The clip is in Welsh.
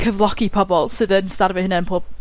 cyflogi pobol sydd yn starfio'u hunan pob